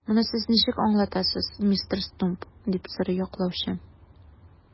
Моны сез ничек аңлатасыз, мистер Стумп? - дип сорый яклаучы.